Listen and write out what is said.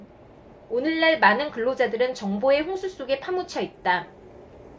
오늘날 많은 근로자들은 정보의 홍수 속에 파묻혀 있다